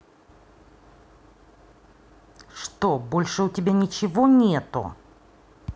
что больше у тебя ничего нету